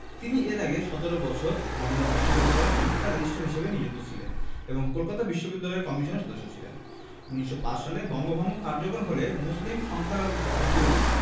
তিনি এর আগে ১৭ বছর লন্ডন বিশ্ববিদ্যালয়ের শিক্ষা রেজিস্ট্রার হিসেবে নিযুক্ত ছিলেন এবং কলকাতা বিশ্ববিদ্যালয় কমিশনের সদস্য ছিলেন ১৯০৫ সালে বঙ্গভঙ্গ কার্যকর হলে মুসলিম সংখ্যাগুরু